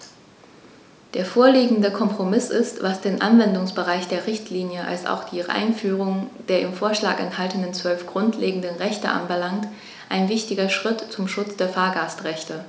Der vorliegende Kompromiss ist, was den Anwendungsbereich der Richtlinie als auch die Einführung der im Vorschlag enthaltenen 12 grundlegenden Rechte anbelangt, ein wichtiger Schritt zum Schutz der Fahrgastrechte.